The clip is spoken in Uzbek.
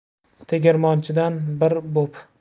tegirmonchidan bir bo'p